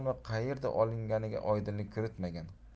va qayerda olinganiga oydinlik kiritmagan